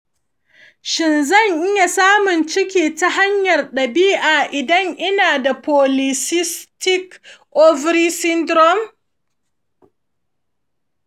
shin zan iya samun ciki ta hanyar dabi’a idan ina da polycystic ovary syndrome?